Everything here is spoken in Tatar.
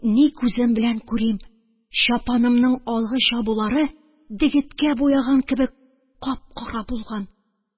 Ни күзем белән күрим: чапанымның алгы чабулары дегеткә буяган кебек кап-кара булган.